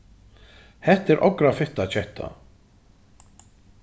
hetta er okra fitta ketta